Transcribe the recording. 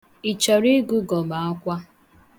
Ị chọrọ ịgụgọ m akwa?